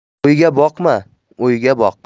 bo'yga boqma o'yga boq